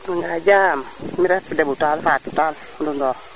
yu nga jam mi refu dembu tall Fatou Tall o Ndoundokh